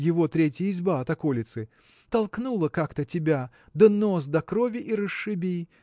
его третья изба от околицы – толкнула как-то тебя да нос до крови и расшиби